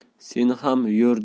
sen ham yur